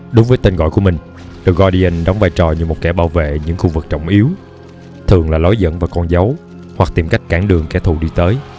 đúng với tên gọi của mình the guardian đóng vai trò như một kẻ bảo vệ những khu vực trọng yếu thường là lối dẫn vào con dấu hoặc tìm cách cản đường kẻ thù đi tới